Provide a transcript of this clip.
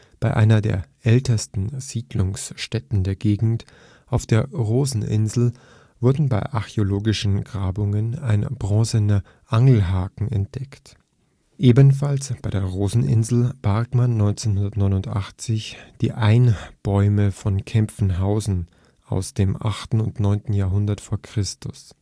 Bei einer der ältesten Siedlungsstätten der Gegend, auf der Roseninsel, wurde bei archäologischen Grabungen ein bronzener Angelhaken entdeckt. Ebenfalls bei der Roseninsel barg man 1989 die Einbäume von Kempfenhausen aus dem 8. oder 9. Jahrhundert vor Christus